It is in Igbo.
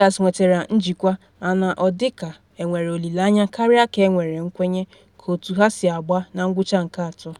Rangers nwetara njikwa mana ọ dịka enwere olile anya karịa ka enwere nkwenye ka otu ha si agba na ngwucha nke atọ.